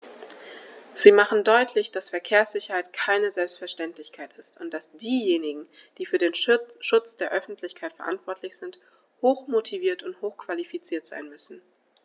Sie machen deutlich, dass Verkehrssicherheit keine Selbstverständlichkeit ist und dass diejenigen, die für den Schutz der Öffentlichkeit verantwortlich sind, hochmotiviert und hochqualifiziert sein müssen.